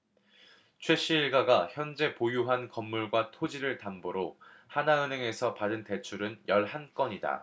최씨 일가가 현재 보유한 건물과 토지를 담보로 하나은행에서 받은 대출은 열 한 건이다